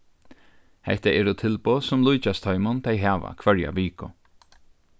hetta eru tilboð sum líkjast teimum tey hava hvørja viku